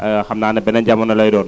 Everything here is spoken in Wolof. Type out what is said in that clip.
xam naa nag beneen jamono lay doon